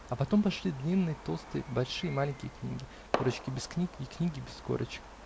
а потом пошли длинные, толстые, большие и маленькие книги, -- корочки без книг и книги без корочек